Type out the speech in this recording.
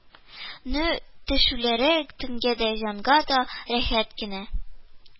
Нү-төшүләре тәнгә дә, җанга да рәхәт кенә